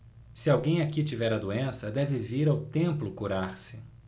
se alguém aqui tiver a doença deve vir ao templo curar-se